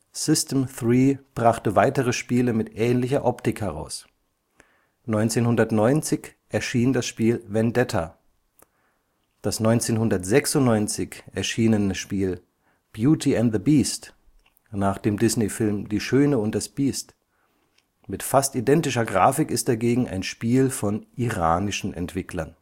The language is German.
System 3 brachte weitere Spiele mit ähnlicher Optik heraus. 1990 erschien das Spiel Vendetta. Das 1996 erschienene Spiel Beauty and the Beast (nach dem Disney-Film Die Schöne und das Biest) mit fast identischer Grafik ist dagegen ein Spiel von iranischen Entwicklern